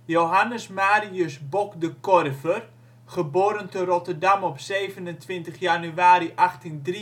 Johannes Marius (Bok) de Korver (Rotterdam, 27 januari 1883